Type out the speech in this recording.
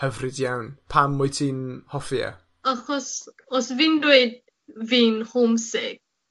hyfryd iawn. Pam wyt ti'n hoffi e? Achos os fi'n dweud fi'n homesick